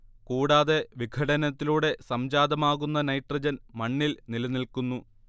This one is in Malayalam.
കൂടാതെ വിഘടനത്തിലൂടെ സംജാതമാകുന്ന നൈട്രജൻ മണ്ണിൽ നിലനിൽക്കുന്നു